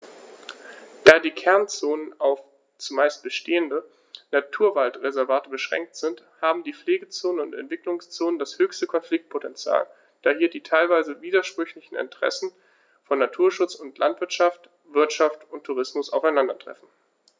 Da die Kernzonen auf – zumeist bestehende – Naturwaldreservate beschränkt sind, haben die Pflegezonen und Entwicklungszonen das höchste Konfliktpotential, da hier die teilweise widersprüchlichen Interessen von Naturschutz und Landwirtschaft, Wirtschaft und Tourismus aufeinandertreffen.